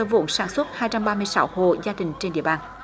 vốn sản xuất hai trăm ba mươi sáu hộ gia đình trên địa bàn